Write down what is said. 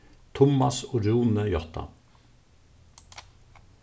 tummas og rúni játta